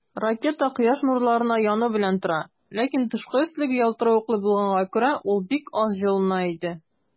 Ракета Кояш нурларына яны белән тора, ләкин тышкы өслеге ялтыравыклы булганга күрә, ул бик аз җылына иде.